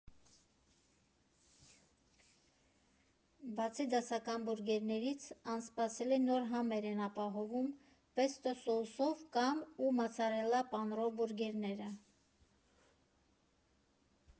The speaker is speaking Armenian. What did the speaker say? Բացի դասական բուրգերներից, անսպասելի նոր համեր են ապահովում պեստո սոուսով կամ ու մոցարելա պանրով բուրգերները։